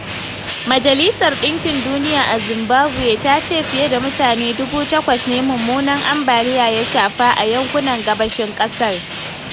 Majalisar Ɗinkin Duniya a Zimbabwe ta ce fiye da mutane 8,000 ne mummunan ambaliya ya shafa a yankunan gabashin ƙasar.